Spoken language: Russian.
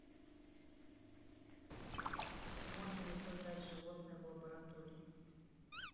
можно ли создать животное в лаборатории